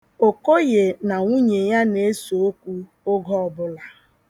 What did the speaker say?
Okoye na nwunye ya na-ese okwu oge ọbụla.